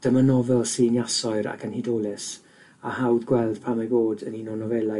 Dyma nofel sy'n iasoer ac yn hudolus, a hawdd gweld pam ei fod yn un o nofelau